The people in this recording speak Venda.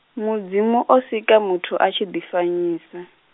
Mudzimu o sika muthu a tshi ḓi fanyisa.